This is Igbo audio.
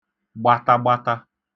gbatagbata